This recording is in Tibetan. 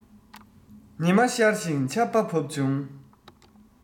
ཉི མ ཤར ཞིང ཆར བ བབས བྱུང